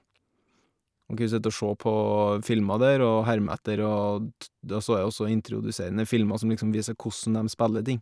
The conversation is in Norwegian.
Og en kan sitte å sjå på filmer der og herme etter og t det også er også introduserende filmer som liksom viser kossen dem spiller ting.